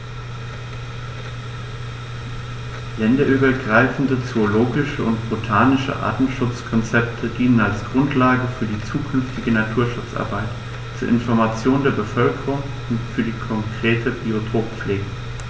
Länderübergreifende zoologische und botanische Artenschutzkonzepte dienen als Grundlage für die zukünftige Naturschutzarbeit, zur Information der Bevölkerung und für die konkrete Biotoppflege.